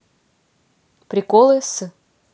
приколы с